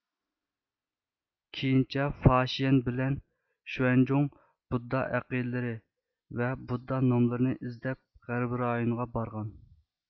كېيىنچە فاشيەن بىلەن شۇەنجۇاڭ بۇددا ئەقىدىلىرى ۋە بۇددا نۇملىرىنى ئىزدەپ غەربى رايۇنغا بارغان